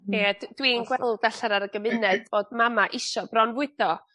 Ie d- dwi'n gweld allan ar y gymuned fod mama isio bronfwydo.